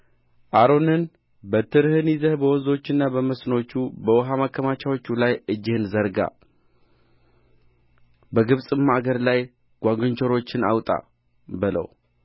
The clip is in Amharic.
አሮንን በትርህን ይዘህ በወንዞቹና በመስኖቹ በውኃ ማከማቻዎቹም ላይ እጅህን ዘርጋ በግብፅም አገር ላይ ጓጕንቸሮችን አውጣ በለው